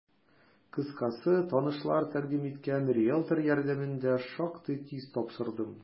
Кыскасы, танышлар тәкъдим иткән риелтор ярдәмендә шактый тиз тапшырдым.